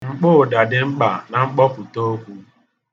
Mkpọụda dị mkpa na mgbọpụta okwu.